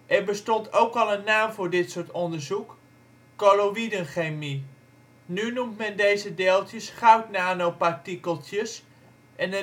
Er bestond ook al een naam voor dit soort onderzoek: colloïdenchemie. Nu noemt men deze deeltjes goudnanopartikeltjes en